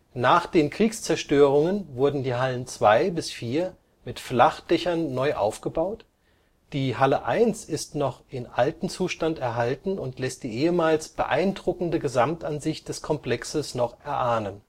Nach den Kriegszerstörungen wurden die Hallen 2 bis 4 mit Flachdächern neu aufgebaut, die Halle 1 ist noch im alten Zustand erhalten und lässt die ehemals beeindruckende Gesamtansicht des Komplexes noch erahnen